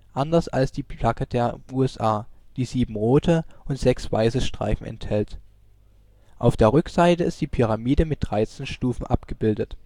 anders als die Flagge der USA, die sieben rote und sechs weiße Streifen enthält. Auf der Rückseite ist die Pyramide mit 13 Stufen abgebildet